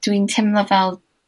dw i'n teimlo fel